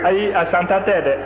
ayi a santa tɛ dɛ